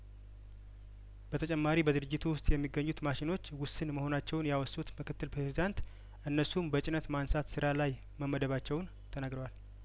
በተጨማሪ በድርጅቱ ውስጥ የሚገኙት ማሽኖች ውስን መሆናቸውን ያወሱትምክትል ፕሬዚዳንት እነሱም በጭነት ማንሳት ስራ ላይ መመደባቸውን ተናግረዋል